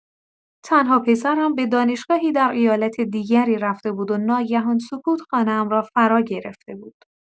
تنها پسرم به دانشگاهی در ایالت دیگری رفته بود و ناگهان سکوت خانه‌ام را فراگرفته بود.